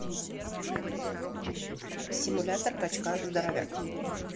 симулятор качка здоровяк